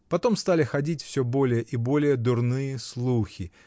Потом стали ходить все более и более дурные слухи